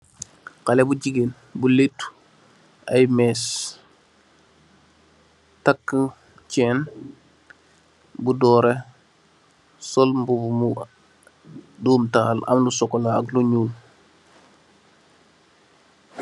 Xalèh bu gigeen bu lèttu ay més takka cèèn bu dórèh sol mbubu mu doom tahal am lu sokola ak lu ñuul.